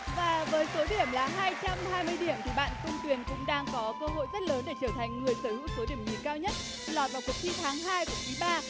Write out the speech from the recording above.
và với số điểm là hai trăm hai mươi điểm thì bạn công tuyền cũng đang có cơ hội rất lớn để trở thành người sở hữu số điểm nhì cao nhất lọt vào cuộc thi tháng hai của quý ba